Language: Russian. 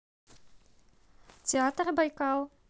театр байкал